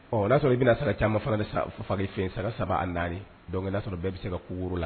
Ɔ n'a sɔrɔ i bɛna sara caaman fana san n 'a sɔrɔ o bɛɛ bɛ se ka kun woro la.